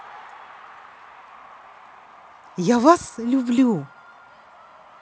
я вас люблю